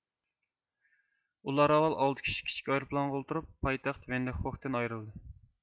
ئۇلار ئاۋۋال ئالتە كىشىلىك كىچىك ئايروپىلانغا ئولتۇرۇپ پايتەخت ۋىندخوكتىن ئايرىلدى